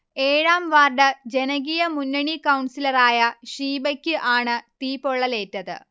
ഏഴാം വാർഡ് ജനകീയ മുന്നണി കൗൺസിലറായ ഷീബക്ക് ആണ് തീപൊള്ളലേറ്റത്